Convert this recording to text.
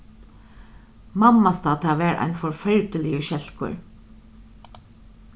mammasta tað var ein forferdiligur skelkur